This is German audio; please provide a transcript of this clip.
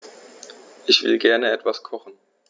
Ich will gerne etwas kochen.